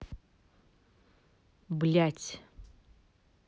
блядь